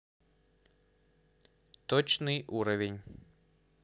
точный уровень